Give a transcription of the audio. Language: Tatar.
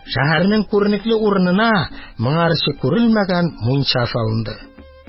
Шәһәрнең күренекле урынына моңарчы күрелмәгән мунча салынды.